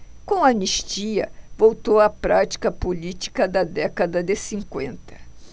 com a anistia voltou a prática política da década de cinquenta